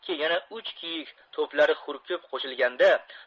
yana uch kiyik to'plari hurkib qo'shilganda